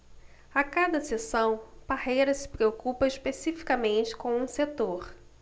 a cada sessão parreira se preocupa especificamente com um setor